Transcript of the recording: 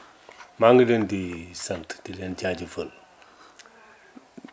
maa ngi leen di sant di leen jaajëfal